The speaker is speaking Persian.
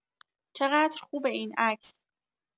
چقدر خوبه این عکس